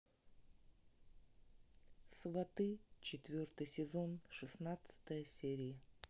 сваты четвертый сезон шестнадцатая серия